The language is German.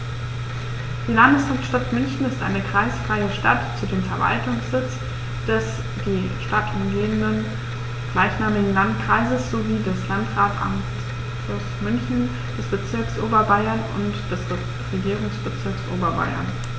Die Landeshauptstadt München ist eine kreisfreie Stadt, zudem Verwaltungssitz des die Stadt umgebenden gleichnamigen Landkreises sowie des Landratsamtes München, des Bezirks Oberbayern und des Regierungsbezirks Oberbayern.